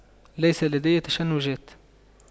ليس لدي تشنجات